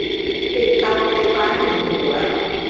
ปิดเตาไฟฟ้าหนึ่งหัว